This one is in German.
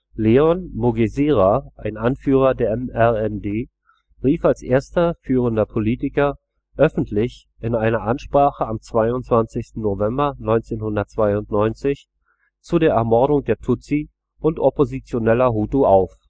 Leon Mugesera, ein Anführer der MRND, rief als erster führender Politiker öffentlich in einer Ansprache am 22. November 1992 zu der Ermordung der Tutsi und oppositioneller Hutu auf